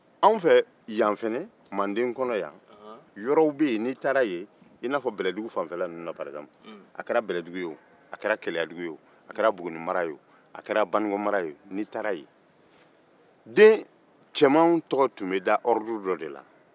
an fɛ manden kɔnɔ yan yɔrɔw yen n'i taara yen a kɛra bɛlɛdugu ye o a kɛra keleyadugu ye a kɛra buguninmara ye o a kɛra baninkɔmara ye den cɛmanw tɔgɔ tun be da oriduru dɔ de la